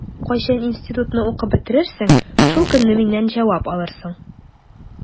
Кайчан институтны укып бетерерсең, шул көнне миннән җавап алырсың.